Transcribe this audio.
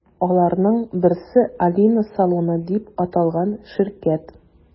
Аларның берсе – “Алина салоны” дип аталган ширкәт.